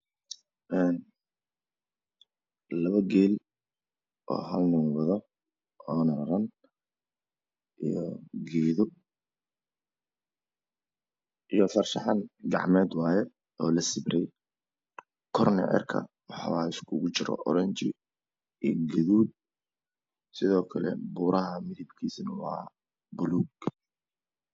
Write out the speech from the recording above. Laba geel oo hal nin wado oona raran iyo geedo iyo farshaxan gacmeed oo lasawiran korna waxaa wayee cirka iskgu jiro oranji iyo gaduud sidoo kale buraha midap kiisu waa paluug